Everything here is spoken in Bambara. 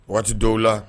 Waati dɔw la